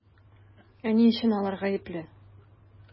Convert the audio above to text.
Ә ни өчен алар гаепле?